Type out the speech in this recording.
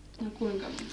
no kuinka monta